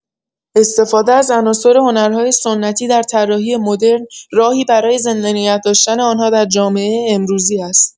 استفاده از عناصر هنرهای سنتی در طراحی مدرن، راهی برای زنده نگه‌داشتن آن‌ها در جامعه امروزی است.